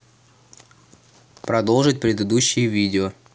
продолжить предыдущее видео